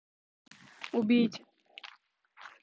убейте